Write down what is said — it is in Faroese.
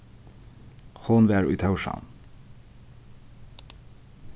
hon var í tórshavn